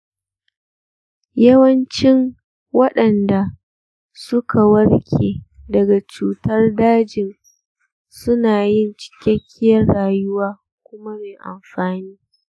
yawancin wadanda suka warke daga cutar daji sunayin cikekkiyar rayuwa kuma mai amfani.